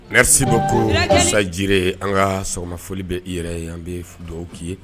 Resibo walasasaji ye an ka sɔgɔma fɔli bɛ i yɛrɛ ye an bɛ dɔw k'i ye